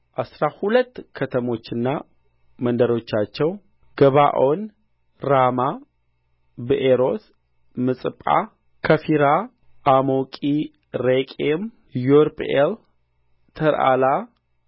አሥራ ሁለት ከተሞችና መንደሮቻቸው ገባዖን ራማ ብኤሮት ምጽጳ ከፊራ አሞቂ ሬቄም ይርጵኤል ተርአላ